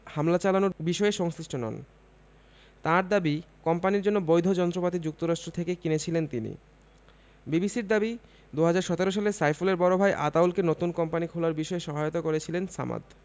এবং যুক্তরাষ্ট্রে হামলা চালানোর বিষয়ে সংশ্লিষ্ট নন তাঁর দাবি কোম্পানির জন্য বৈধ যন্ত্রপাতি যুক্তরাষ্ট্র থেকে কিনেছিলেন তিনি বিবিসির দাবি ২০১৭ সালে সাইফুলের বড় ভাই আতাউলকে নতুন কোম্পানি খোলার বিষয়ে সহায়তা করেছিলেন সামাদ